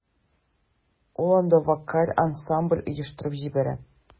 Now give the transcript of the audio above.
Ул анда вокаль ансамбль оештырып җибәрә.